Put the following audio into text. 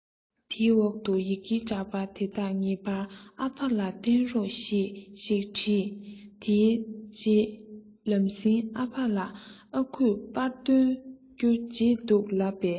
དེའི འོག ཏུ ཡི གེ འདྲ པར དེ དག ངེས པར ཨ ཕ ལ བཏོན རོགས ཞེས པ ཞིག བྲིས དེའི རྗེས ལམ སེང ཨ ཕ ལ ཨ ཁུས པར བཏོན རྒྱུ བརྗེད འདུག ལབ པས